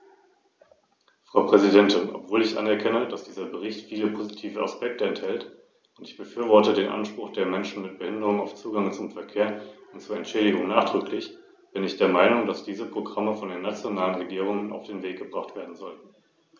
Und wie Herr Simpson sehr richtig sagte, darf der Prozess niemals als abgeschlossen, als gewonnen oder als vollendet betrachtet werden.